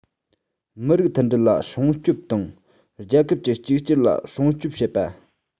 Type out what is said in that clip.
མི རིགས མཐུན སྒྲིལ ལ སྲུང སྐྱོབ དང རྒྱལ ཁབ ཀྱི གཅིག གྱུར ལ སྲུང སྐྱོབ བྱེད དགོས